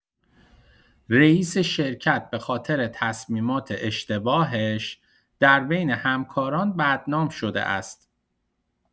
رئیس شرکت به‌خاطر تصمیمات اشتباهش در بین همکاران بدنام شده است.